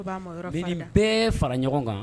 Ko b'a monyɔrɔ fari da , N bɛ nin bɛɛ fara ɲɔgɔn kan.